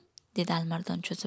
dedi alimardon cho'zib